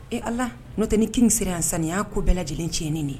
Ee ala n'o tɛ ni kin sera yan san y' ko bɛɛ lajɛlen tiɲɛ de ye